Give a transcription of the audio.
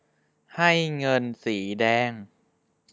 ให้เงินสีแดง